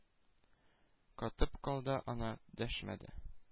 Катып калды ана, дәшмәде,